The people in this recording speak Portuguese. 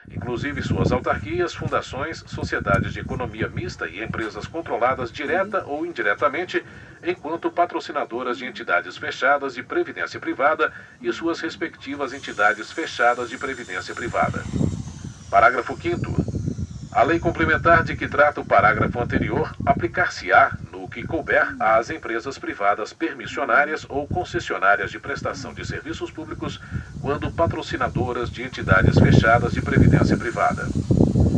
inclusive suas autarquias fundações sociedades de economia mista e empresas controladas direta ou indiretamente enquanto patrocinadoras de entidades fechadas de previdência privada e suas respectivas entidades fechadas de previdência privada parágrafo quinto a lei complementar de que trata o parágrafo anterior aplicar se á no que couber às empresas privadas permissionárias ou concessionárias de prestação de serviços públicos quando patrocinadoras de entidades fechadas de previdência privada